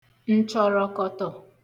ǹchọ̀rọ̀kọ̀tò